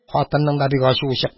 Хатынның да бик ачуы чыкты.